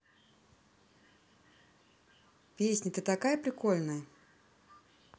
песня ты такая прикольная